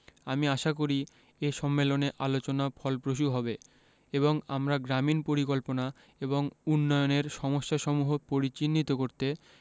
আমি আশা করি এ সম্মেলনে আলোচনা ফলপ্রসূ হবে এবং আমরা গ্রামীন পরিকল্পনা এবং উন্নয়নের সমস্যাসমূহ পরিচিহ্নিত করতে